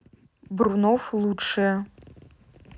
брунов лучшее